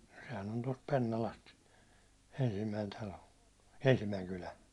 sehän on tuosta Pennalasta ensimmäinen talo ensimmäinen kylä